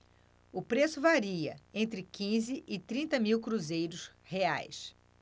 o preço varia entre quinze e trinta mil cruzeiros reais